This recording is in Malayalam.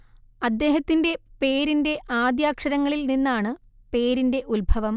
അദ്ദേഹത്തിന്റെ പേരിന്റെ ആദ്യാക്ഷരങ്ങളിൽ നിന്നാണ് പേരിന്റെ ഉത്ഭവം